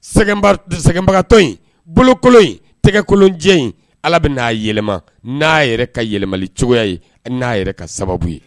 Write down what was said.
Sɛgɛnbar t sɛgɛnbagatɔ in bolokolon in tɛgɛkolonjɛ in Ala bɛn'a yɛlɛma n'a yɛrɛ ka yɛlɛmali cogoya ye n'a yɛrɛ ka sababu ye